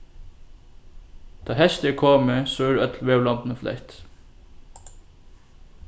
tá heystið er komið so eru øll veðurlombini flett